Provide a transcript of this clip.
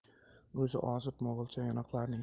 o'zi ozib mo'g'ulcha yonoqlarining